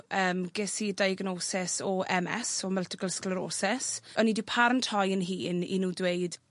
yym ges i diagnosis o Em Ess o Multiple Schlerosis. O'n i 'di parantoi 'yn hun i nw dweud